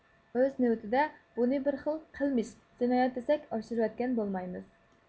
ئۆز نۆۋىتىدە بۇنى بىر خىل قىلمىش جىنايەت دېسەك ئاشۇرۇۋەتكەن بولمايمىز